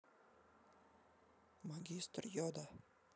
магистр йода